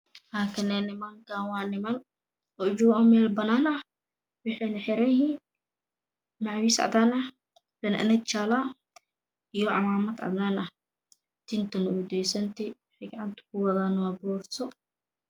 Halkaani waa ninamkaani waa niman joogo meel bannaan ah waxayna feran yihiinmacawiish cadaan ah, finaanad jaallo ah iyo camaamad cadaan ah tintana wey deysan tahay waxa gacanta ku waddaana waa boorso.